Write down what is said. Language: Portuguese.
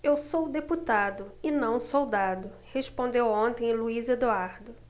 eu sou deputado e não soldado respondeu ontem luís eduardo